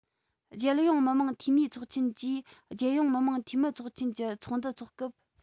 རྒྱལ ཡོངས མི དམངས འཐུས མིའི ཚོགས ཆེན གྱིས རྒྱལ ཡོངས མི དམངས འཐུས མིའི ཚོགས ཆེན གྱི ཚོགས འདུ འཚོག སྐབས